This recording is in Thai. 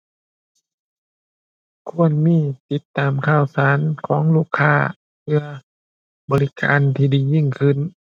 ควรมีติดตามข่าวสารของลูกค้าเพื่อบริการที่ดียิ่งขึ้น